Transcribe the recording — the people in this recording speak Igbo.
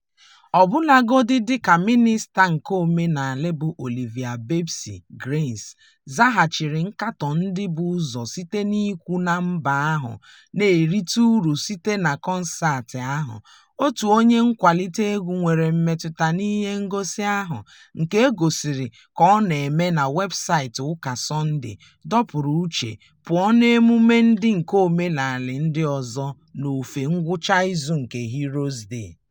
Ọbụnagodi dịka Mịnịsta nke Omenala bụ Olivia "Babsy" Grange zahachiri nkatọ ndị bu ụzọ site n'ikwu na mba ahụ na-erite uru si na kọnseetị ahụ, otu onye nkwalite egwu nwere mmetụta n'ihe ngosi ahụ, nke e gosiri ka ọ na-eme na webusaịtị Ụka Sọnde, "dọpụrụ uche" pụọ n'emume ndị nke omenala ndị ọzọ n'ofe ngwụcha izu nke Heroes Day.